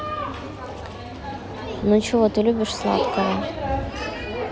ну чего ты любишь сладкого